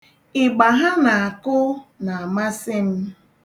Ịgba ha na-akụ na-amasị m.